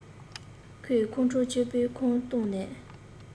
ཁོས ཁོང ཁྲོ ཆེན པོས ཁང སྟོང ནས